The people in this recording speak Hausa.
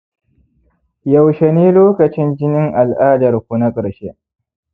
yaushe ne lokacin jinin al'adarku na ƙarshe